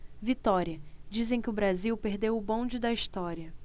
vitória dizem que o brasil perdeu o bonde da história